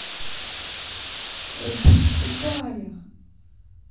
отдых в дубаях